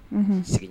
Un sigi